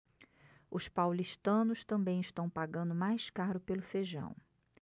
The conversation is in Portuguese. os paulistanos também estão pagando mais caro pelo feijão